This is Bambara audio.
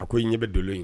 A ko ɲɛ bɛ don ye